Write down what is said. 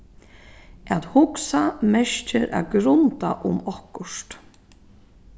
at hugsa merkir at grunda um okkurt